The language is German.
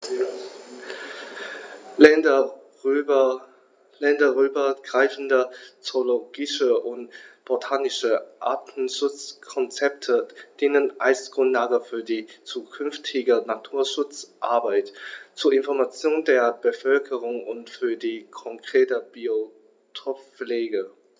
Länderübergreifende zoologische und botanische Artenschutzkonzepte dienen als Grundlage für die zukünftige Naturschutzarbeit, zur Information der Bevölkerung und für die konkrete Biotoppflege.